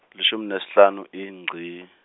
lishumi nesihlanu, iNgci.